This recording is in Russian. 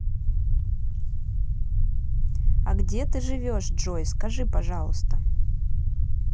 а где ты живешь джой скажи пожалуйста